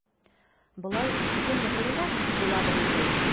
Болай сөйкемле күренә, – дип уйлады Гөлкәй.